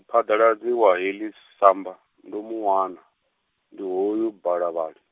-phadaladzi wa heḽi samba, ndo mu wana, ndi hoyu balavhale.